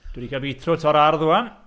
Dwi 'di cael beetroot o'r ardd 'wan.